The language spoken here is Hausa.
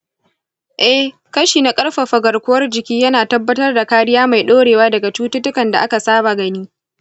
eh, kashi na ƙarfafa garkuwar jiki yana tabbatar da kariya mai dorewa daga cututtukan da aka saba gani.